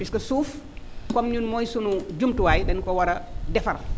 puisque suuf comme ñun mooy sunu jumtuwaay dañu ko war a defar